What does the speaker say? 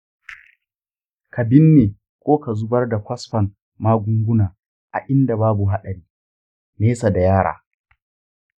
ka binne ko ka zubar da kwasfan magunguna a inda babu haɗari, nesa da yara.